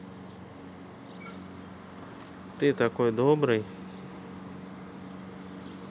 ты такой добрый